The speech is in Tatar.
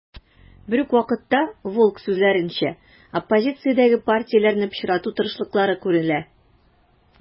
Берүк вакытта, Волк сүзләренчә, оппозициядәге партияләрне пычрату тырышлыклары күрелә.